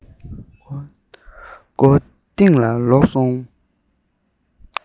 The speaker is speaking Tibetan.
མགོ རྟིང ལོག ན སྡུག སོང